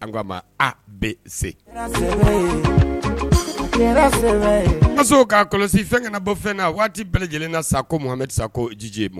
A a bɛ se k'a kɔlɔsi fɛn ka bɔ fɛn na waati bɛɛ lajɛlen na sa ko tɛ sa jiji ma